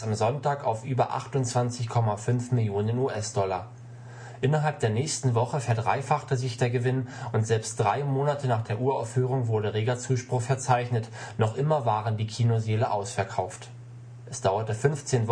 Sonntag auf über 28,5 Millionen US-Dollar. Innerhalb der nächsten Woche verdreifachte sich der Gewinn und selbst drei Monate nach der Uraufführung wurde reger Zuspruch verzeichnet – noch immer waren die Kinosäle ausverkauft. Es dauerte 15 Wochen